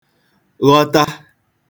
ghọta